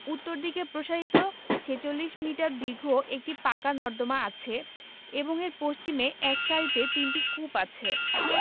উত্তরদিকে প্রসারিত ৪৬ মিটার দীর্ঘ একটি পাকা নর্দমা আছে এবং এর পশ্চিমে এক সারিতে তিনটি কূপ আছে